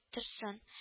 Торсын